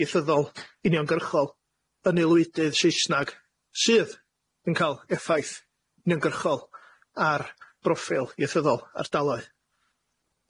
ieithyddol uniongyrchol yn aelwydydd Saesnag, sydd yn ca'l effaith uniongyrchol ar broffil ieithyddol ardaloedd.